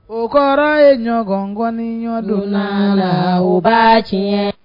O kɔrɔ ye ɲɔgɔn ŋɔni ɲɔdon la la b'a tiɲɛ